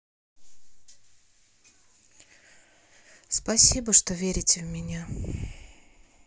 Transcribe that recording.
спасибо что верите в меня